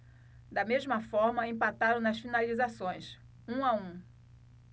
da mesma forma empataram nas finalizações um a um